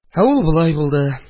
Ә ул болай булды.